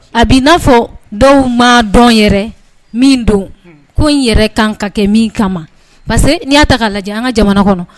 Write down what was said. A bɛ n'a fɔ dɔw ma dɔn yɛrɛ min don ko n yɛrɛ kan ka kɛ min kama parce que n'i y'a ta ka lajɛ an ka jamana kɔnɔ